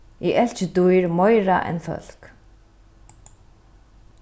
eg elski dýr meira enn fólk